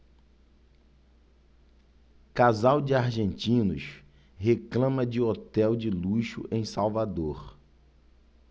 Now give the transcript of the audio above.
casal de argentinos reclama de hotel de luxo em salvador